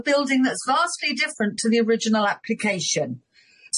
a building that's vastly different to the original application.